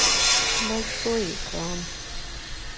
большой экран